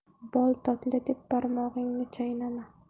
bol totli deb barmog'ingni chaynama